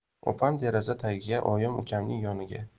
opam deraza tagiga oyim ukamning yoniga